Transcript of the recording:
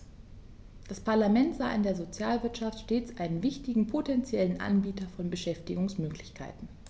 Das Parlament sah in der Sozialwirtschaft stets einen wichtigen potentiellen Anbieter von Beschäftigungsmöglichkeiten.